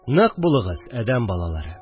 Нык булыгыз, әдәм балалары